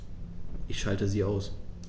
Ich schalte sie aus.